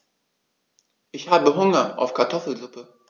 Ich habe Hunger auf Kartoffelsuppe.